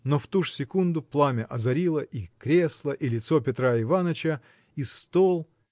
но в ту же секунду пламя озарило и кресла и лицо Петра Иваныча и стол